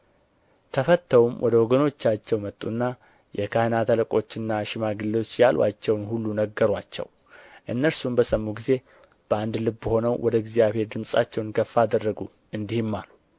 ተፈትተውም ወደ ወገኖቻቸው መጡና የካህናት አለቆችና ሽማግሌዎች ያሉአቸውን ሁሉ ነገሩአቸው እነርሱም በሰሙ ጊዜ በአንድ ልብ ሆነው ወደ እግዚአብሔር ድምፃቸውን ከፍ አደረጉ እንዲህም አሉ